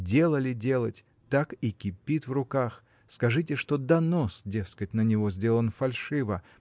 дело ли делать – так и кипит в руках скажите что донос дескать на него сделан фальшиво